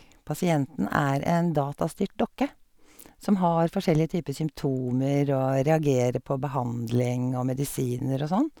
Pasienten er en datastyrt dokke, som har forskjellige typer symptomer og reagerer på behandling og medisiner og sånt.